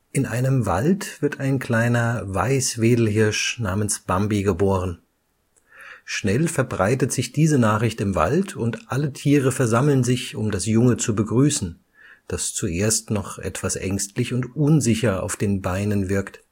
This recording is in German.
In einem Wald wird ein kleiner Weißwedelhirsch namens Bambi geboren. Schnell verbreitet sich diese Nachricht im Wald und alle Tiere versammeln sich, um das Junge zu begrüßen, das zuerst noch etwas ängstlich und unsicher auf den Beinen wirkt